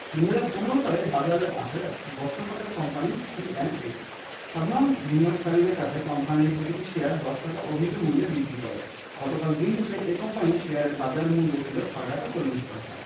২০১৫ সালে বাজারে আসে বস্ত্র খাতের কোম্পানি সিঅ্যান্ডএ সাধারণ বিনিয়োগকারীদের কাছে কোম্পানিটি প্রতিটি শেয়ার ১০ টাকা অভিহিত মূল্যে বিক্রি করে গতকাল দিন শেষে এ কোম্পানির শেয়ারের বাজারমূল্য ছিল ৬ টাকা ৪০ পয়সা